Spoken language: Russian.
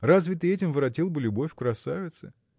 разве ты этим воротил бы любовь красавицы?